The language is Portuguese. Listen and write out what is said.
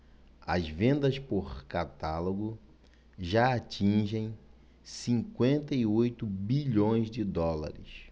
as vendas por catálogo já atingem cinquenta e oito bilhões de dólares